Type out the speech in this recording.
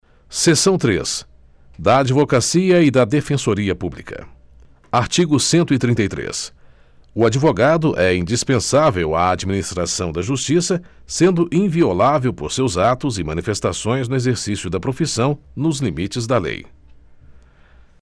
seção três da advocacia e da defensoria pública artigo cento e trinta e três o advogado é indispensável à administração da justiça sendo inviolável por seus atos e manifestações no exercício da profissão nos limites da lei